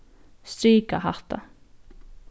strika hatta